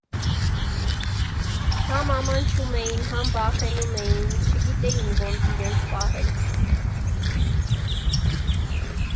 Հա՛մ ամաչում էին, հա՛մ վախենում էին, չգիտեին ոնց իրենց պահել։